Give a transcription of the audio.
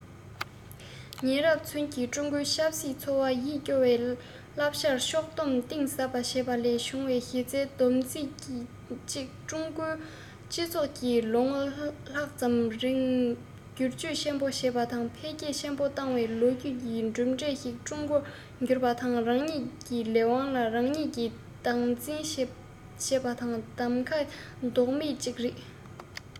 ཉེ རབས ཚུན གྱི ཀྲུང གོའི ཆབ སྲིད འཚོ བའི ཡིད སྐྱོ བའི བསླབ བྱར ཕྱོགས སྡོམ གཏིང ཟབ བྱས པ ལས བྱུང བའི གཞི རྩའི བསྡོམས ཚིག ཅིག ཀྲུང གོའི སྤྱི ཚོགས ཀྱིས ལོ ངོ ལྷག ཙམ རིང སྒྱུར བཅོས ཆེན པོ བྱས པ དང འཕེལ རྒྱས ཆེན པོ བཏང བའི ལོ རྒྱུས ཀྱི གྲུབ འབྲས ཤིག ཀྲུང གོ གྱུར པ དང རང ཉིད ཀྱི ལས དབང རང ཉིད ཀྱིས སྟངས འཛིན བྱས པའི གདམ ག ལྡོག མེད ཅིག རེད